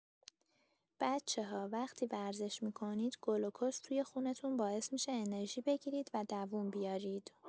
بچه‌ها، وقتی ورزش می‌کنید، گلوکز توی خونتون باعث می‌شه انرژی بگیرید و دووم بیارید.